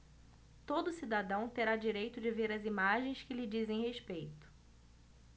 todo cidadão terá direito de ver as imagens que lhe dizem respeito